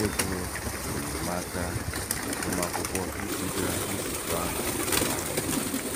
egoenyemaaka agụmakwụkwọ iji gaa nzukọ ahụ lara n'iyi.